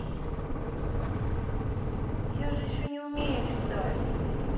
я же еще не умею читать